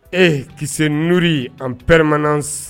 Et qui se nourrit en permanence